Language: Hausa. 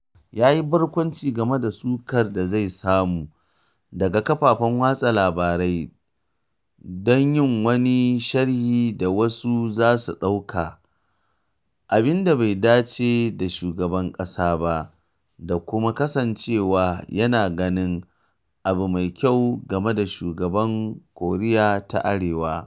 Ya yi barkwanci game da sukar da zai samu daga kafafen watsa labarai don yin wani sharhi da wasu za su ɗauka “abin da bai dace da shugaban ƙasa ba” da kuma kasancewa yana ganin abu mai kyau game da shugaban Koriya ta Arewa.